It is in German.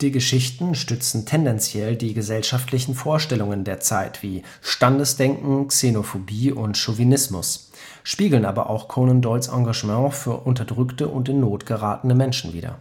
Geschichten stützen tendenziell die gesellschaftlichen Vorstellungen der Zeit wie Standesdenken, Xenophobie und Chauvinismus, spiegeln aber auch Conan Doyles Engagement für unterdrückte und in Not geratene Menschen wider